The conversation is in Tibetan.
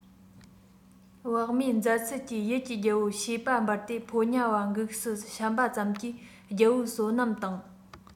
བག མེད མཛད ཚུལ གྱིས ཡུལ གྱི རྒྱལ པོ ཤེས པ འབར ཏེ ཕོ ཉ བ འགུགས སུ བཤམས པ ཙམ གྱིས རྒྱལ པོའི བསོད ནམས དང